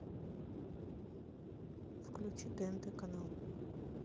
включи тнт канал